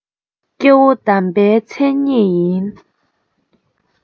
སྐྱེ བོ དམ པའི མཚན ཉིད ཡིན